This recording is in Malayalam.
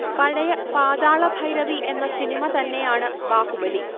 പഴയ പാതാളഭൈരവി എന്ന സിനിമ തന്നെയാണ് ബാഹുബലി